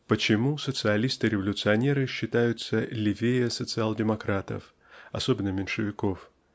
Почему социалисты-революционеры считаются "левее" социал-демократов особенно меньшевиков?